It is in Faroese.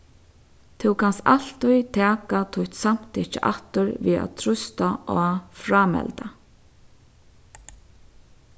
tú kanst altíð taka títt samtykki aftur við at trýsta á frámelda